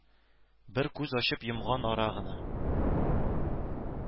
Бер күз ачып йомган ара гына